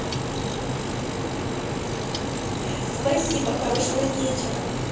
спасибо хорошего вечера